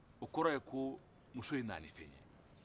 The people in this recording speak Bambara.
o kɔrɔ ye ko muso ye naani